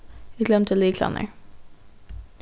eg gloymdi lyklarnar